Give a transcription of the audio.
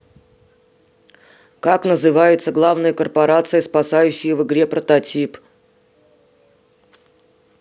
как называется главная корпорация спасающая в игре прототип